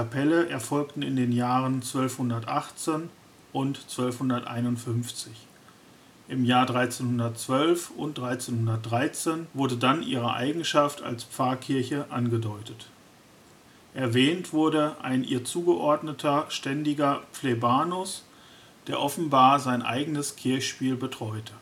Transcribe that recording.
Kapelle erfolgten in den Jahren 1218 und 1251. Im Jahr 1312 und 1313 wurde dann ihre Eigenschaft als Pfarrkirche angedeutet. Erwähnt wurde ein ihr zugeordneter, ständiger Plebanus, der offenbar sein eigenes Kirchspiel betreute